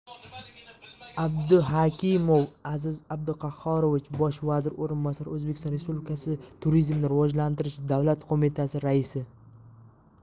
abduhakimov aziz abduqahhorovich bosh vazir o'rinbosari o'zbekiston respublikasi turizmni rivojlantirish davlat qo'mitasi raisi